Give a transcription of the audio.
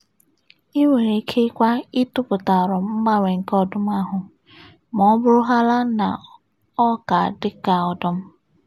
Ị nwere ike kwa ịtụpụta aro mgbanwe nke ọdụm ahụ - ma ọ bụrụhaala na ọ ka dị ka ọdụm.